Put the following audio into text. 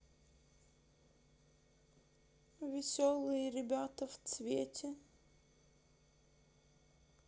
веселые ребята в цвете